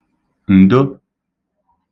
ǹdo